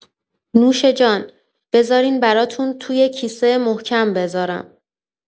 نوش‌جان، بذارین براتون توی کیسه محکم بذارم.